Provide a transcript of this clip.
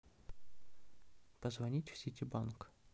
позвонить в ситибанк